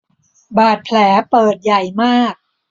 บาดแผลเปิดใหญ่มาก